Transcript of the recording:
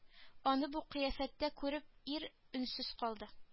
Аны бу кыяфәттә күреп ир өнсез калды